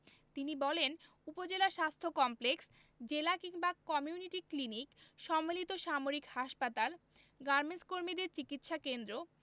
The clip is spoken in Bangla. তিনি বলেন উপজেলা স্বাস্থ্য কমপ্লেক্স জেলা কিংবা কমিউনিটি ক্লিনিক সম্মিলিত সামরিক হাসপাতাল গার্মেন্টকর্মীদের চিকিৎসাকেন্দ্র